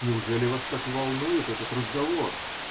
Неужели вас так волнует этот разговор?